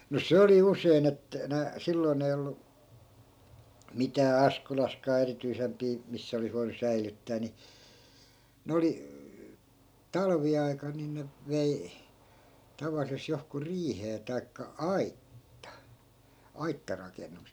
no se oli usein -- silloin ei ollut mitään Askolassakaan erityisempiä missä olisi voinut säilyttää niin ne oli talviaikana niin ne vei tavallisesti johonkuhun riiheen tai - aittarakennukseen